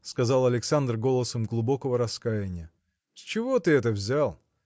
– сказал Александр голосом глубокого раскаяния. – С чего ты это взял?